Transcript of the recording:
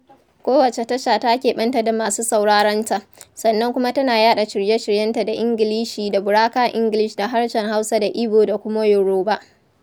Kowace tasha ta keɓanta da masu sauraron ta, sannan kuma tana yaɗa shirye-shiryenta da Ingilishi da Buraka Ingilish da harshen Hausa da Igbo da kuma Yoruba.